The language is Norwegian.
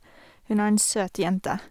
Hun er en søt jente.